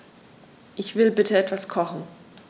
Ich will bitte etwas kochen.